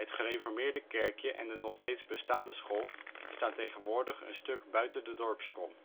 gereformeerde kerkje en de nog steeds bestaande school staan tegenwoordig een stuk buiten de dorpskom